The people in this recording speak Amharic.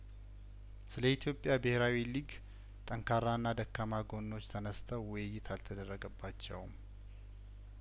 ስለ ኢትዮጵያ ብሄራዊ ሊግ ጠንካራና ደካማ ጐኖች ተነስተው ውይይት አልተደረገባቸውም